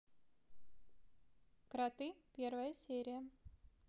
кроты первая серия